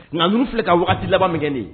Nka ninnu filɛ ka waati laban min de